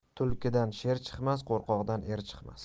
tulkidan sher chiqmas qo'rqoqdan er chiqmas